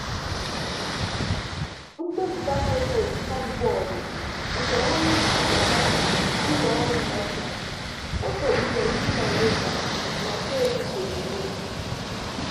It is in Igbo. Mbepụta foto kaadịbọọdụ nke onyeisi BlaBlaCar n'ụlọọrụ Russia. Foto nke Irina Reyder na peeji Facebook.